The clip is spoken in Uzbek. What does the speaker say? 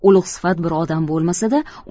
ulug'sifat bir odam bo'lmasa da